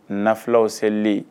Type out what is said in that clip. Na fulaw selenlen